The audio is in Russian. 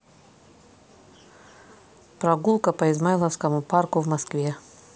прогулка по измайловскому парку в москве